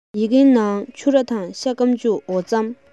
ཡི གེའི ནང ཕྱུར ར དང ཤ སྐམ འོ ཕྱེ